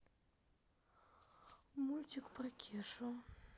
мультик про кешу